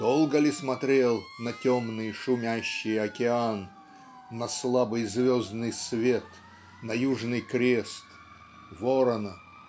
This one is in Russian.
Долго ли смотрел на темный шумящий океан на слабый звездный свет на Южный Крест Ворона